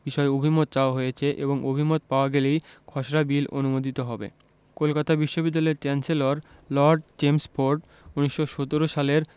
বিষয়ে অভিমত চাওয়া হয়েছে এবং অভিমত পাওয়া গেলেই খসড়া বিল অনুমোদিত হবে কলকাতা বিশ্ববিদ্যালয়ের চ্যান্সেলর লর্ড চেমস্ফোর্ড ১৯১৭ সালের